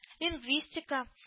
“лингвистика”